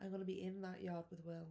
I wanna be in that yard with Will.